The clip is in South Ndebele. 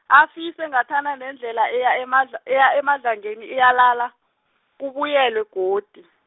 afise ngathana nendlela eya eMadla-, eya eMadlangeni iyalala, kubuyelwe godi.